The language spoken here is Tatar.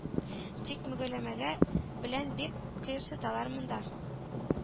Тик мөгамәлә белән бик кыерсыталар монда.